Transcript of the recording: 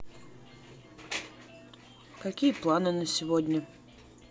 какие планы на сегодня